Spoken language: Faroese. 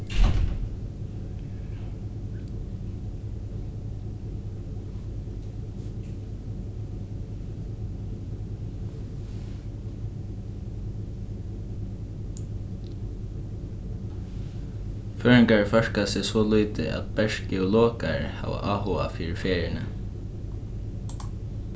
føroyingar førka seg so lítið at bert geologar hava áhuga fyri ferðini